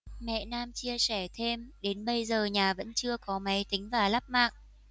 mẹ nam chia sẻ thêm đến bây giờ nhà vẫn chưa có máy tính và lắp mạng